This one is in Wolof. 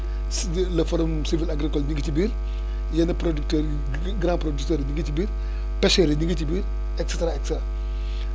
civil le forum civil agricol mi ngi ci biir yenn producteurs yi grands producteurs yi ñu ngi ci biir pêcheurs yi ñu ngi ci biir et cetera et cetera